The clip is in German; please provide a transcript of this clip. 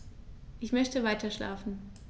Ich möchte weiterschlafen.